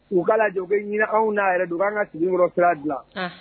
U k'a lajɛ u ka hinɛ anw na yɛrɛ de u k'an ŋa Sebekɔrɔ sira dilan anh